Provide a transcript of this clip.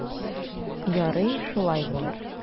Ярый, шулай булыр.